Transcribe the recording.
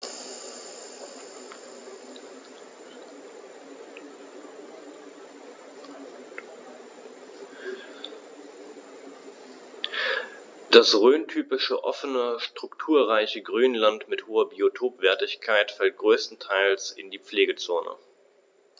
Das rhöntypische offene, strukturreiche Grünland mit hoher Biotopwertigkeit fällt größtenteils in die Pflegezone.